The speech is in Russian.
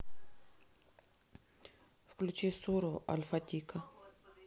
включи суру альфатиха